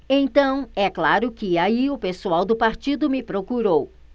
então é claro que aí o pessoal do partido me procurou